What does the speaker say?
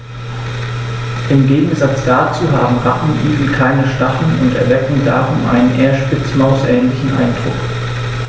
Im Gegensatz dazu haben Rattenigel keine Stacheln und erwecken darum einen eher Spitzmaus-ähnlichen Eindruck.